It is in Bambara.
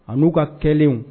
An'u ka kɛlenw